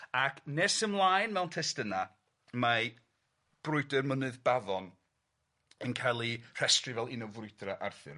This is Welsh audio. Ac nes ymlaen mewn testuna, mae brwydyr Mynydd Baddon yn ca'l 'i rhestru fel un o frwydra' Arthur.